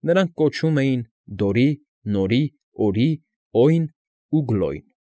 Նրանց կոչում էին Դորի, Նորի, Օրի, Օյն ու Գլոյն։